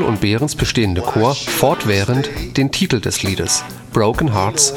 Behrens bestehende Chor fortwährend den Titel des Liedes: „ Broken Hearts